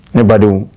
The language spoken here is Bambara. Ne badenw